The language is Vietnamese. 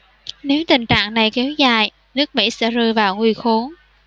nếu tình trạng này kéo dài nước mỹ sẽ rơi vào nguy khốn